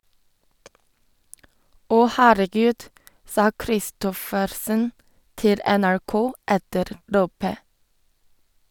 Åh herregud, sa Kristoffersen til NRK etter løpet.